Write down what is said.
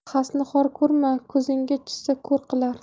xasni xor ko'rma ko'zingga tushsa ko'r qilar